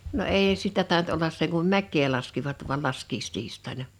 no ei sitä tainnut olla sen kuin mäkeä laskivat vain laskiaistiistaina